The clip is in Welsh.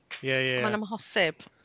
Ie ie ie... Mae'n amhosib.